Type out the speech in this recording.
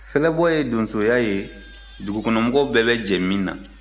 fɛlɛbɔ ye donsoya ye dugukɔnɔmɔgɔw bɛɛ bɛ jɛ min na